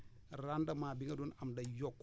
rendement bi nga doon am day yokk